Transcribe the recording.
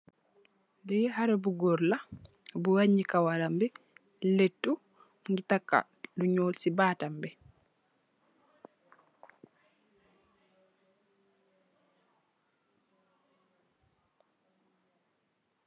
Be xale bu goor la bou wanni xawaram bi mougi taka lu nyull ci battam bi.